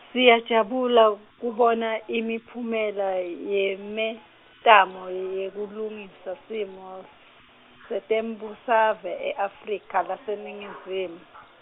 Siyajabula kubona imiphumela yemitamo yekulungisa simo setembusave e-Afrika laseNingizimu.